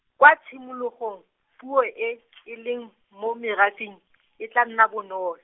kwa tshimologong, puo e, e leng, mo merafeng , e tla nna bonolo.